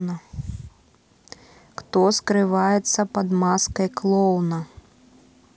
кто скрывается под маской клоуна